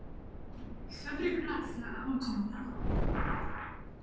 все прекрасно а у тебя